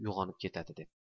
uyg'onib ketadi deb